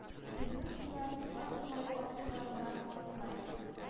Безнең сулар тугай-тугай ат сугарырга уңай